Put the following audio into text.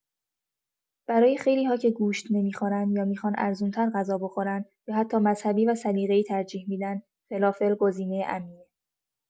برای خیلی‌ها که گوشت نمی‌خورن، یا می‌خوان ارزون‌تر غذا بخورن، یا حتی مذهبی و سلیقه‌ای ترجیح می‌دن، فلافل گزینه امنیه.